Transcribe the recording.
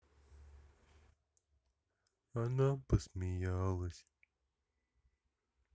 она посмеялась